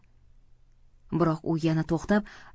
biroq u yana to'xtab